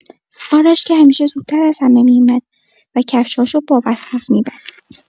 آرش که همیشه زودتر از همه می‌اومد و کفش‌هاشو با وسواس می‌بست.